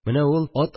Менә ул ат